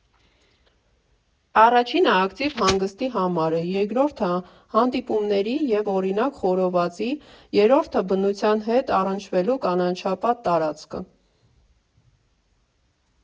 Առաջինը ակտիվ հանգստի համար է, երկրորդը հանդիպումների և, օրինակ, խորովածի, երրորդը բնության հետ առնչվելու կանաչապատ տարածքը։